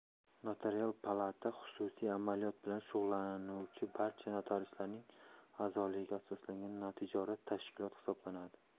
notarial palata xususiy amaliyot bilan shug'ullanuvchi barcha notariuslarning a'zoligiga asoslangan notijorat tashkilot hisoblanadi